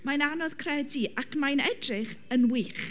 Mae'n anodd credu, ac mae'n edrych yn wych.